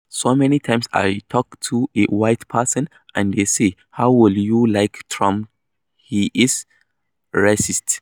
"So many times I talk to a white person and they say: "How could you like Trump, he's racist?"